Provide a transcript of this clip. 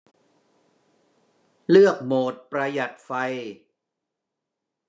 เลือกโหมดประหยัดไฟ